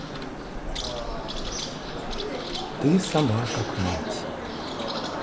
ты сама как мать